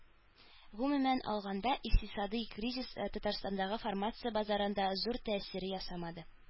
Гомумән алганда, икътисадый кризис Татарстандагы фармация базарына зур тәэсир ясамады